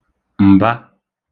m̀ba